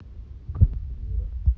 крышу мира